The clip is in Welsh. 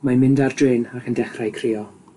Mae'n mynd ar drên ac yn dechrau crio.